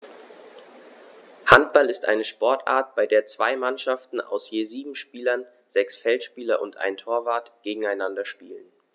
Handball ist eine Sportart, bei der zwei Mannschaften aus je sieben Spielern (sechs Feldspieler und ein Torwart) gegeneinander spielen.